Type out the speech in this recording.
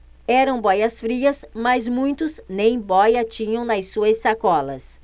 eram bóias-frias mas muitos nem bóia tinham nas suas sacolas